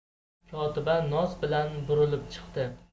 kotiba noz bilan burilib chiqdi